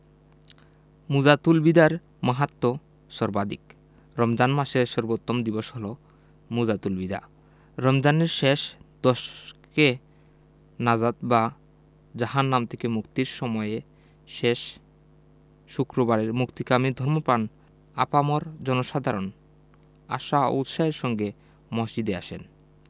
মুজাতুল বিদার মাহাত্ম্য অত্যধিক রমজান মাসের সর্বোত্তম দিবস হলো মুজাতুল বিদা রমজানের শেষ দশকে নাজাত বা জাহান্নাম থেকে মুক্তির সময়ে শেষ শুক্রবারে মুক্তিকামী ধর্মপ্রাণ আপামর জনসাধারণ আশা ও উৎসাহের সঙ্গে মসজিদে আসেন